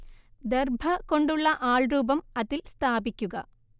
ദർഭ കൊണ്ടുള്ള ആൾരൂപം അതിൽ സ്ഥാപിയ്ക്കുക